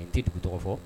N tɛ dugu tɔgɔ fɔ